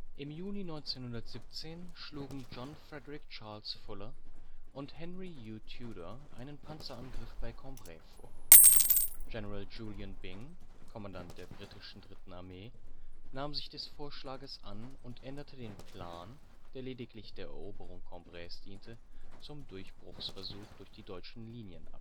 Im Juni 1917 schlugen John Frederick Charles Fuller und Henry Hugh Tudor einen Panzerangriff bei Cambrai vor. General Julian Byng, Kommandant der britischen dritten Armee, nahm sich des Vorschlages an und änderte den Plan, der lediglich der Eroberung Cambrais diente, zum Durchbruchsversuch durch die deutschen Linien